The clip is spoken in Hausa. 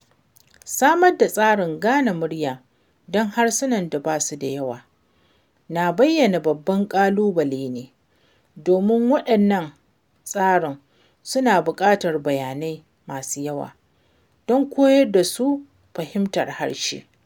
Samar da tsarin gane murya don harsunan da ba su da yawa na bayanai babban ƙalubale ne, domin waɗannan tsarin suna buƙatar bayanai masu yawa don koyar da su fahimtar harshe.